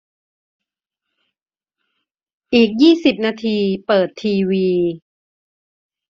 อีกยี่สิบนาทีเปิดทีวี